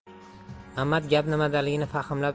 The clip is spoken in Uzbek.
mamat gap nimadaligini fahmlab